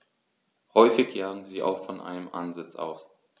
Häufig jagen sie auch von einem Ansitz aus.